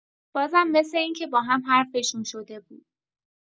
بازم مثل اینکه باهم حرفشون شده بود